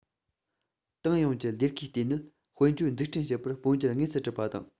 ཏང ཡོངས ཀྱི ལས ཀའི ལྟེ གནད དཔལ འབྱོར འཛུགས སྐྲུན བྱེད པར སྤོ འགྱུར དངོས སུ གྲུབ པ དང